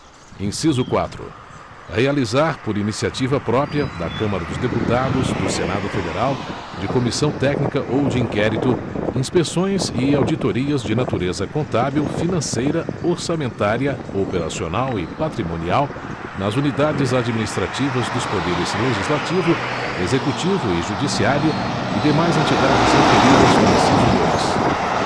inciso quatro realizar por iniciativa própria da câmara dos deputados do senado federal de comissão técnica ou de inquérito inspeções e auditorias de natureza contábil financeira orçamentária operacional e patrimonial nas unidades administrativas dos poderes legislativo executivo e judiciário e demais entidades referidas no inciso dois